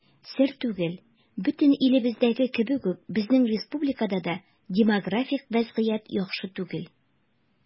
Сер түгел, бөтен илебездәге кебек үк безнең республикада да демографик вазгыять яхшы түгел.